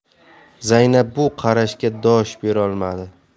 zaynab bu qarashga dosh berolmadi